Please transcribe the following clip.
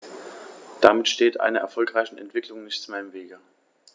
Damit steht einer erfolgreichen Entwicklung nichts mehr im Wege.